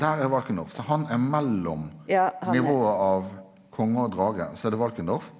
der er Valkendorf så han er mellom nivået av konge og drage så er det Valkendorf.